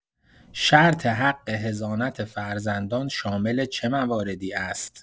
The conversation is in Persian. شرط حق حضانت فرزندان شامل چه مواردی است؟